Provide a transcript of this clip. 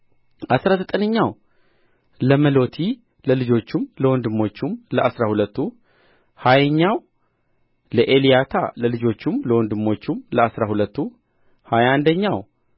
አሥራ ዘጠኝኛው ለመሎቲ ለልጆቹም ለወንድሞቹም ለአሥራ ሁለቱ ሀያኛው ለኤልያታ ለልጆቹም ለወንድሞቹም ለአሥራ ሁለቱ ሀያ አንደኛው